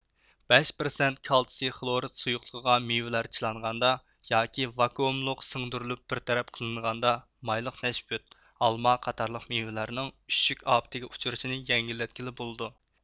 بەش پىرسەنت كالتسىي خلورىد سۇيۇقلۇقىغا مېۋىلەر چىلانغاندا ياكى ۋاكۇئوملۇق سىڭدۈرۈلۈپ بىر تەرەپ قىلىنغاندا مايلىق نەشپۈت ئالما قاتارلىق مېۋىلەرنىڭ ئۈششۈك ئاپىتىگە ئۇچرىشىنى يەڭگىللەتكىلى بولىدۇ